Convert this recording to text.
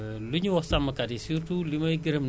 parce que xam naa taxawaayam tamit